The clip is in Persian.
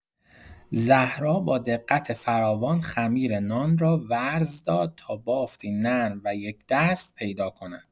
زهرا با دقت فراوان خمیر نان را ورز داد تا بافتی نرم و یکدست پیدا کند.